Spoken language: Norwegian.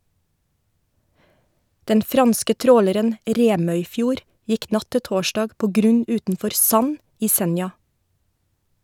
Den franske tråleren «Remøyfjord» gikk natt til torsdag på grunn utenfor Sand i Senja.